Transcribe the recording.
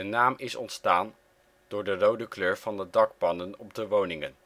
naam is ontstaan door de rode kleur van de dakpannen op de woningen